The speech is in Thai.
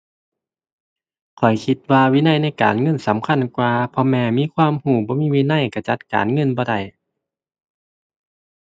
ข้อยคิดว่าวินัยในการเงินสำคัญกว่า เพราะแม้มีความรู้ บ่มีวินัย รู้จัดการเงินบ่ได้